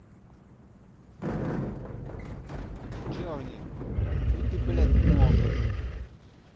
journey ну ты блять можешь